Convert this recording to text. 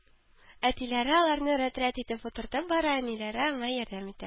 Әтиләре аларны рәт-рәт итеп утыртып бара, әниләре аңа ярдәм итә